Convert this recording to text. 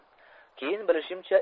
keyin bilishimcha